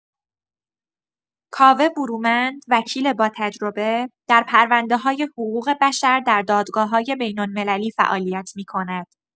کاوه برومند، وکیل با تجربه، در پرونده‌‌های حقوق‌بشر در دادگاه‌های بین‌المللی فعالیت می‌کند.